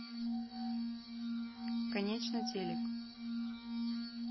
конечно телек